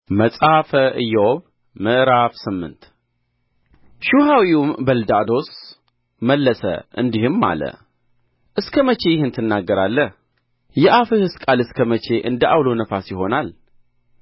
መጽሐፈ ኢዮብ ምዕራፍ ስምንት ሹሐዊውም በልዳዶስ መለሰ እንዲህም አለ እስከ መቼ ይህን ትናገራለህ የአፍህስ ቃል እስከ መቼ እንደ ዐውሎ ነፋስ ይሆናል